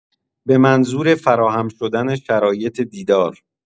به منظور فراهم شدن شرایط دیدار